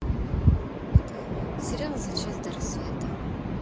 сериал за час до рассвета